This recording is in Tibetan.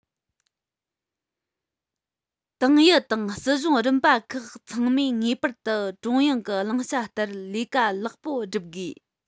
ཏང ཨུ དང སྲིད གཞུང རིམ པ ཁག ཚང མས ངེས པར དུ ཀྲུང དབྱང གི བླང བྱ ལྟར ལས ཀ ལེགས པོ བསྒྲུབ དགོས